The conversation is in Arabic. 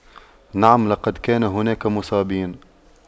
نعم لقد كان هناك مصابين